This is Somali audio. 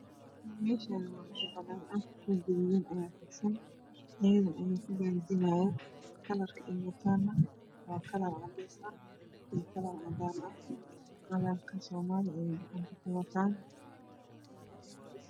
Meeshaan waa meel banaan ah rorog gaduudan ayaa fidsan ciidan ayaa ku gaardinaaya kalarka ay wataane waa kalar cadays ah iyo kalar cadaan ah calanka soomaali ayay gacanta ku wataan.